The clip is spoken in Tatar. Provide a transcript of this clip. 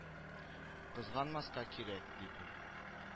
Кызганмаска кирәк, ди бу